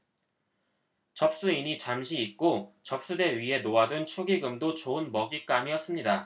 접수인이 잠시 잊고 접수대 위에 놓아둔 축의금도 좋은 먹잇감이었습니다